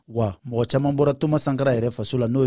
wa mɔgɔ caman bɔra toma sankara yɛrɛ faso la